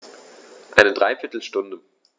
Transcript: Eine dreiviertel Stunde